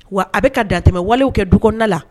Wa a bɛka ka dantɛ wale kɛ duda la